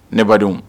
Ne badenw